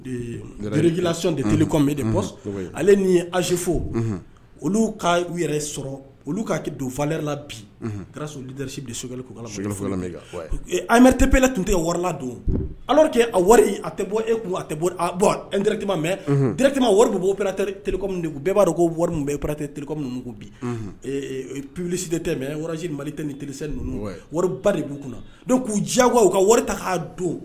Erela deli comɛ de ale ni ye alizfu olu ka u yɛrɛ sɔrɔ olu k'a kɛ donfala bi kɛra solidasi bi soli anme tɛpla tun tɛ warila don ala kɛ a wari a tɛ bɔ e kun tɛ bɔn terirtima mɛkima wari bɛ bɔtɛ bɛɛ b'a ko wari bɛ e pratetɛ ninnu bi pbilisisi de tɛ mɛ wari mali tɛ ni teri ninnu wari ba de b'u kunna k'u diyawa ka wari ta k' don